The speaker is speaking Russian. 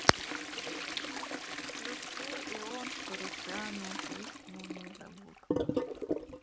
включи ион суручану песня незабудка